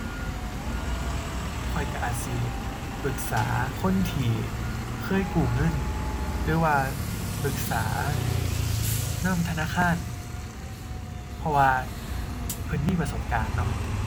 ข้อยก็อาจสิปรึกษาคนที่เคยกู้เงิน หรือว่าปรึกษานำธนาคาร เพราะว่าเพิ่นมีประสบการณ์เนาะ